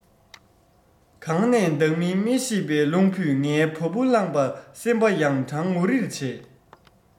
གང ནས ལྡང མིན མི ཤེས པའི རླུང བུས ངའི བ སྤུ བསླངས པས སེམས པ ཡང གྲང འུར རེ བྱས